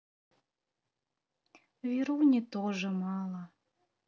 веруни тоже мало